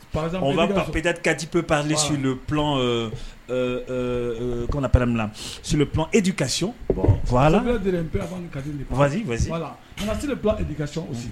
Ppd katip su p kɔnɔpɛreme sup edi ka vz vz